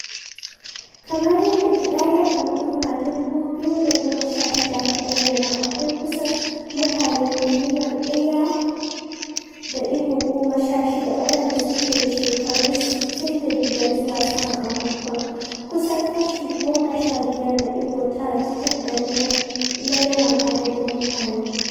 Kamar yadda ƙidayar al'umma ta 2016 ta bayyana, akwai kusan mutane miliyan 1.16 waɗanda suke da shekaru 65 zuwa sama a Hong Kong - kusan kashi 15.9 cikin ɗari na yawan adadin mutanen.